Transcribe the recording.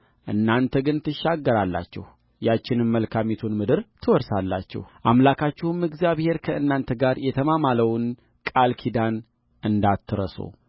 እናንተ ግን ትሻገራላችሁ ያችንም መልካሚቱን ምድር ትወርሳላችሁአምላካችሁም እግዚአብሔር ከእናንተ ጋር የተማማለውን ቃል ኪዳን እንዳትረሱ